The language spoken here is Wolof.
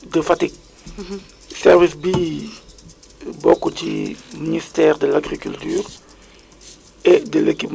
ñu koy wax le ñebe fourager ñooñu bu leen neexee fi mu nekk nii tey jii mën nañu xaar sax ba fin ut ñu jiw xam nga